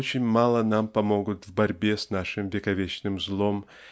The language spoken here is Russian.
очень мало нам помогут в борьбе с нашим вековечным злом